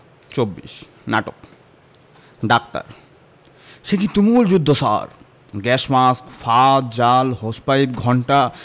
২৪ নাটক ডাক্তার সেকি তুমুল যুদ্ধ স্যার গ্যাস মাস্ক ফাঁদ জাল হোস পাইপ ঘণ্টা